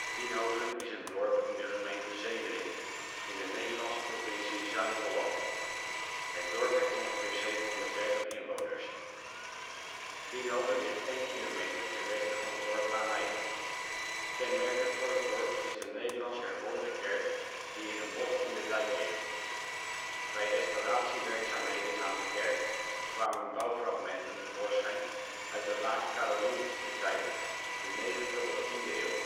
Tienhoven is een dorp in de gemeente Zederik, in de Nederlandse provincie Zuid-Holland. Het dorp heeft ongeveer 730 inwoners. Tienhoven ligt 1 kilometers ten westen van het dorp Ameide. Kenmerkend voor het dorp is de Nederlands-hervormde kerk die in een bocht in de dijk ligt. Bij restauratiewerkzaamheden aan de kerk kwamen bouwfragmenten tevoorschijn uit de laat-Karolingische tijd (9e of 10e eeuw